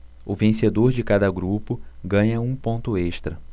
o vencedor de cada grupo ganha um ponto extra